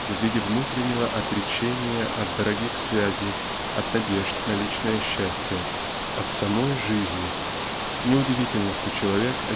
в виде внутреннего отречения от дорогих связей от надежд на личное счастье от самой жизни неудивительно что человек